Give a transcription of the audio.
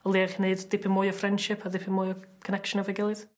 o leia chi neud dipyn mwy o friendship a dipyn mwy o connection efo'i gilydd.